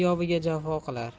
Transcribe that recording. yoviga jafo qilar